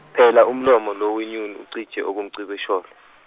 phela umlomo lo wenyoni ucije okomcibisholo .